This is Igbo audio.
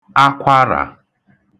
akwarà